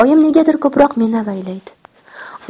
oyim negadir ko'proq meni avaylaydi